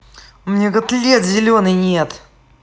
а мне котлет зеленый нет